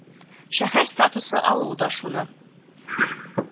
Шәһәр статусы алуы да шуны